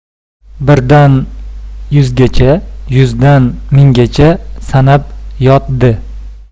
birdan yuzgacha yuzdan minggacha sanab yotdi